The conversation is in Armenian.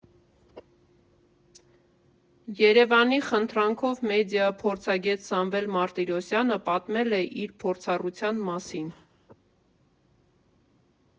ԵՐԵՎԱՆի խնդրանքով մեդիա֊փորձագետ Սամվել Մարտիրոսյանը պատմել է իր փորձառության մասին։